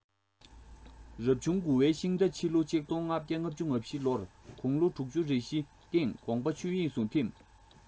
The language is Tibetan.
རབ བྱུང དགུ བའི ཤིང རྟ ཕྱི ལོ ༡༥༥༤ ལོར དགུང ལོ དྲུག ཅུ རེ བཞིའི སྟེང དགོངས པ ཆོས དབྱིངས སུ འཐིམས